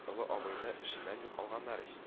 Олы абыйны эшеннән ю алганнар ич